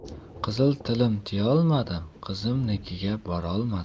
qizil tilim tiyolmadim qizimnikiga borolmadim